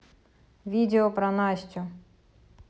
видео про настю